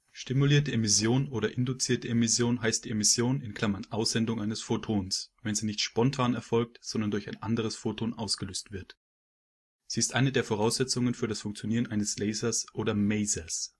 Stimulierte Emission oder induzierte Emission heißt die Emission (Aussendung) eines Photons, wenn sie nicht spontan erfolgt, sondern durch ein anderes Photon ausgelöst wird. Sie ist eine der Voraussetzungen für das Funktionieren eines Lasers oder Masers